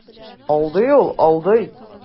Алдый ул, алдый.